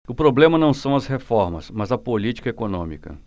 o problema não são as reformas mas a política econômica